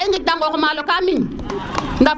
ya i ngij na qox maalo ka miñ